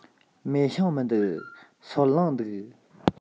མེ ཤིང མི འདུག སོལ རླངས འདུག